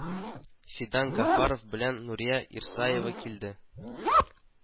Фидан Гафаров белән Нурия Ирсаева килде